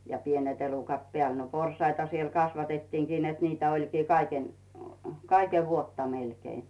ja pienet elukat päälle no porsaita siellä kasvatettiinkin että niitä olikin - kaiken vuotta melkein